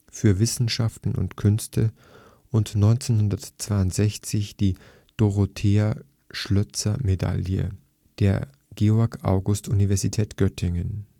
für Wissenschaften und Künste und 1962 die " Dorothea-Schlözer-Medaille " der Georg-August-Universität Göttingen